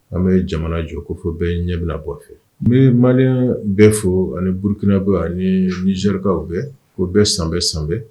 An bɛ jamana jɔ ko fɔ bɛɛ ɲɛmina bɔ fɛ n malinen bɛ fɔ ani burukinabɔ anizrikaw bɛɛ ko bɛɛ san san